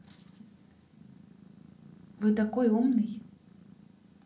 вы такой умный